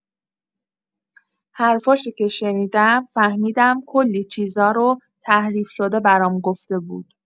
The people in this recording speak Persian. حرفاشو که شنیدم، فهمیدم کلی چیزا رو تحریف‌شده برام گفته بود.